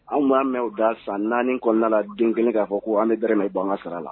Anw m'an mɛn u da san 4 kɔnɔna la den kelen k''a fɔ ko an bɛ dɔrɔmɛ bɔ an ka sarala